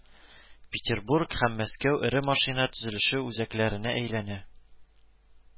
Петербург һәм Мәскәү эре машина төзелеше үзәкләренә әйләнә